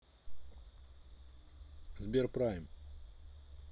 сберпрайм